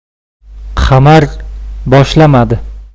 qamar boshlamadi